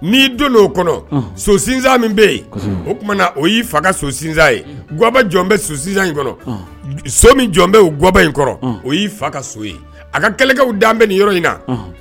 n' don o kɔnɔ so sinsan min bɛ yen o t o y'i fa ka so sinsan yeuba jɔn bɛ so sinsan in kɔnɔ so min jɔn bɛ gauba in kɔnɔ o y'i fa ka so a ka kɛlɛkɛ dalen bɛ nin yɔrɔ in na